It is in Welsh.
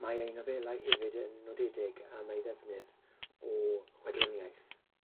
Mae ei nofelau hefyd yn nodedig am ei ddefnydd o chwedloniaeth.